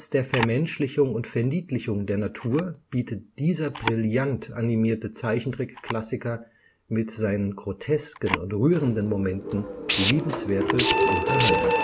der Vermenschlichung und Verniedlichung der Natur bietet dieser brillant animierte Zeichentrick-Klassiker mit seinen grotesken und rührenden Momenten liebenswerte Unterhaltung